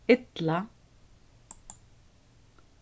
illa